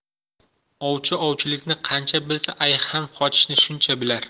ovchi ovchilikni qancha bilsa ayiq ham qochishni shuncha bilar